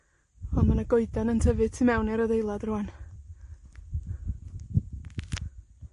On' ma' 'na goedan yn tyfu tu mewn i'r adeilad rŵan.